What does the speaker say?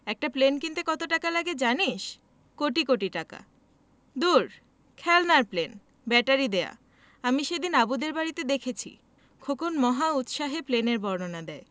একটা প্লেন কিনতে কত টাকা লাগে জানিস কোটি কোটি টাকা দূর খেলনার প্লেন ব্যাটারি দেয়া আমি সেদিন আবুদের বাড়িতে দেখেছি খোকন মহা উৎসাহে প্লেনের বর্ণনা দেয়